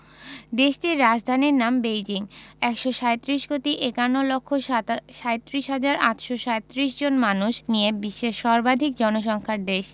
দেশটির রাজধানীর নাম বেইজিং ১৩৭ কোটি ৫১ লক্ষ ৩৭ হাজার ৮৩৭ জন মানুষ নিয়ে বিশ্বের সর্বাধিক জনসংখ্যার দেশ